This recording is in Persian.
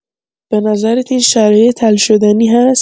به نظرت این شرایط حل‌شدنی هست؟